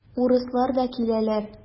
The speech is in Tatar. Урыслар да киләләр.